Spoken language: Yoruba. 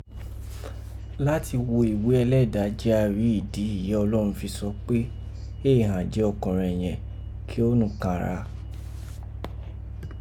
Nati gho iwe eleda ji a ri idi yìí ọlọ́rọn fi fọ pe 'éè hàn jí ọkọ̀nrẹn yẹ̀n ki ó nùkàn gha'